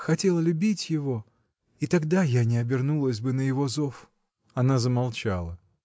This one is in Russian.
хотела любить его, — и тогда я не обернулась бы на его зов. Она замолчала.